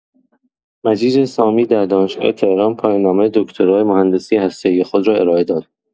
مجید سامی در دانشگاه تهران پایان‌نامه دکترای مهندسی هسته‌ای خود را ارائه داد.